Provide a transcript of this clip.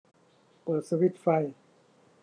เปิดสวิตช์ไฟ